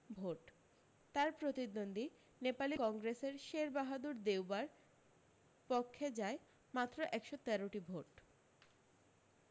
vote তার প্রতিদ্বন্দ্বী নেপালী কংগ্রেসের শের বাহাদুর দেউবার পক্ষে যায় মাত্র একশ তেরো টি ভোট